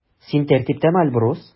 Син тәртиптәме, Альбус?